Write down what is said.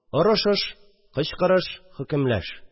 Орышыш, кычкырыш, хөкемләш!